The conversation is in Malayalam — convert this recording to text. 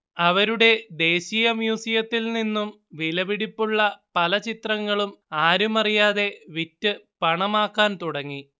അവരുടെ ദേശീയമ്യൂസിയത്തിൽ നിന്നും വിലപിടിപ്പുള്ള പല ചിത്രങ്ങളും ആരുമറിയാതെ വിറ്റ് പണമാക്കാൻ തുടങ്ങി